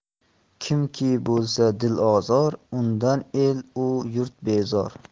kimki bo'lsa dilozor undan el u yurt bezor